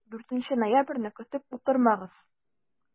4 ноябрьне көтеп утырмагыз!